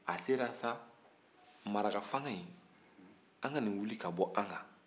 a sera sa marakafanga in an ka nin wuli k'a bɔ an kan